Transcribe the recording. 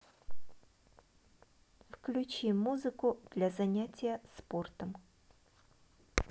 включи музыку для занятия спортом